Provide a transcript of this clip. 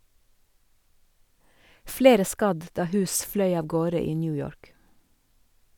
Flere skadd da hus fløy av gårde i New York.